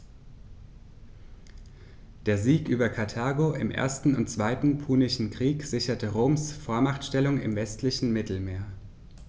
Der Sieg über Karthago im 1. und 2. Punischen Krieg sicherte Roms Vormachtstellung im westlichen Mittelmeer.